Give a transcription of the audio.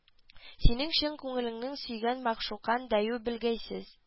Сине чын күңеленнән сөйгән мәгъшукаң дәю белгәйсез